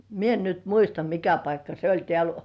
minä en nyt muista mikä paikka se oli täällä